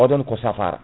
oɗon ko safaro